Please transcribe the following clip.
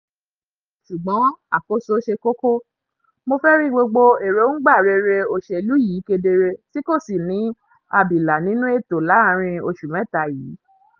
"Ìgbẹ́kẹ̀lé dára, ṣùgbọ́n àkóso ṣe kókó!" [..] mo fẹ́ rí gbogbo èròńgbà rere òṣèlú yìí kedere tí kò sì ní abìlà nínú ètò láàárín oṣù mẹ́ta yìí!